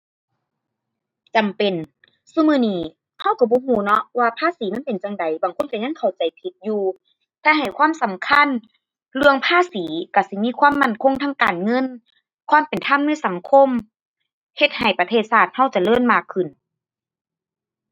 จำเป็น ซุมื้อนี้เราเราบ่เราน้อว่าภาษีมันเป็นจั่งใด บางคนเรายังเข้าใจผิดอยู่ ถ้าให้ความสำคัญเรื่องภาษีเราสิมีความมั่นคงทางการเงิน ความเป็นธรรมในสังคม เฮ็ดให้ประเทศชาติเราเจริญมากขึ้น